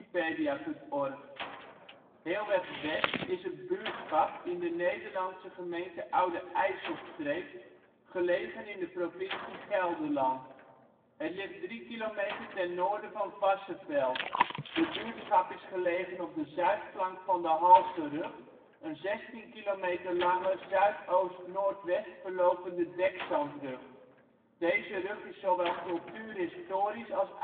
58 ' NB, 6° 27 ' OL Heelweg-West Plaats in Nederland Situering Provincie Gelderland Gemeente Oude IJsselstreek Coördinaten 51° 58′ NB, 6° 28′ OL Portaal Nederland Beluister (info) Heelweg-West is een buurtschap in de Nederlandse gemeente Oude IJsselstreek, gelegen in de provincie Gelderland. Het ligt 3 kilometer ten noorden van Varsseveld. De buurtschap is gelegen op de zuidflank van de Halserug, een 16 km lange zuidoost-noordwest verlopende dekzandrug. Deze rug is zowel cultuurhistorisch als